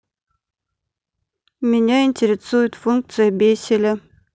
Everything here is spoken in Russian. меня интересует функция беселя